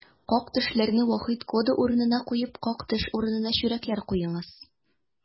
Как-төшләрне Вахит кода урынына куеп, как-төш урынына чүрәкләр куеңыз!